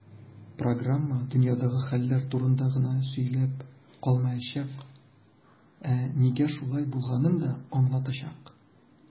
Программа "дөньядагы хәлләр турында гына сөйләп калмаячак, ә нигә шулай булганын да аңлатачак".